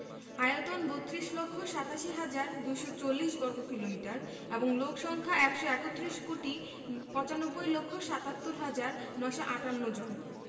আয়তন ৩২ লক্ষ ৮৭ হাজার ২৪০ বর্গ কিমি এবং লোক সংখ্যা ১৩১ কোটি ৯৫ লক্ষ ৭৭ হাজার ৯৫৮ জন